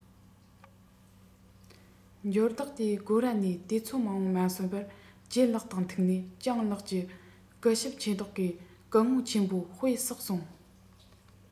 འབྱོར བདག དེའི སྒོ ར ནས དུས ཚོད མང པོ མ སོང བར ལྗད ལགས དང ཐུག ནས སྤྱང ལགས ཀྱིས གུས ཞབས ཆེ མདོག གིས སྐུ ངོ ཆེན མོ དཔེ བསགས སོང